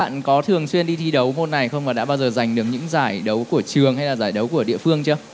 bạn có thường xuyên đi thi đấu môn này không và đã bao giờ giành được những giải đấu của trường hay là giải đấu của địa phương chưa